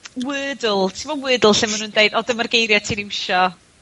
...Wordle, t'mod Wordle lle ma' nw'n deud o dyma;r geirie ti'm iwsio